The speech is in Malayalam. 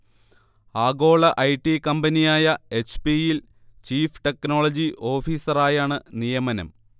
ആഗോള ഐ. ടി. കമ്പനിയായ എച്ച്. പി. യിൽ ചീഫ് ടെക്നോളജി ഓഫീസറായാണ് നിയമനം